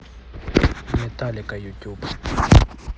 металлика ютуб